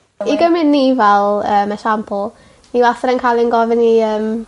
I gymyd ni fel yym esiampl ni wastad yn ca'l ein gofyn i yym